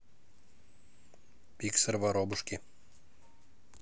pixar воробушки